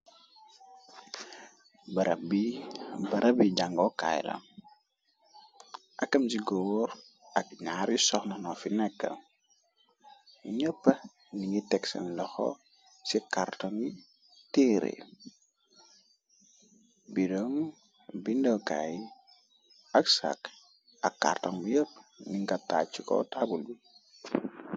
barab bi barab yi jangookaay la akam ci góor ak ñaar yi soxnano fi nekk yi neppa ningi tegsen ndoxo ci kàrton yi teeree birom bindokaay ak saak ak kàrton bu yepp ninga taacc ko taabulbu